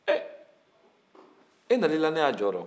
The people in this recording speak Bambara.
eh e nan'i da ne ka jɔ la